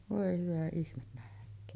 voi hyvä ihme nähköön